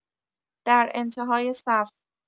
در انت‌های صف